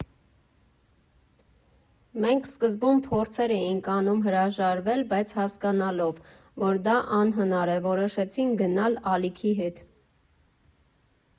Մենք սկզբում փորձեր էինք անում հրաժարվել, բայց հասկանալով, որ դա անհնար է՝ որոշեցինք գնալ ալիքի հետ։